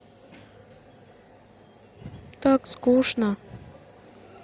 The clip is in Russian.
так скучно